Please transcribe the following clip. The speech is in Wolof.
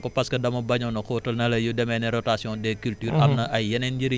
kon ama na sànq wax naa ko parce que dama bañoon a xóotal ne la yu demee ne rotation des